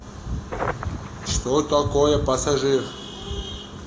что такое пассажир